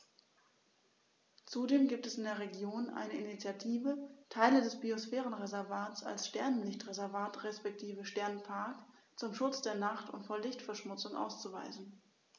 Zudem gibt es in der Region eine Initiative, Teile des Biosphärenreservats als Sternenlicht-Reservat respektive Sternenpark zum Schutz der Nacht und vor Lichtverschmutzung auszuweisen.